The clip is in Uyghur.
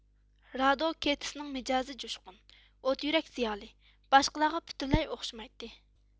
رادوكېتسنىڭ مىجەزى جۇشقۇن ئوت يۈرەك زىيالىي باشقىلارغا پۈتۈنلەي ئوخشىمايتتى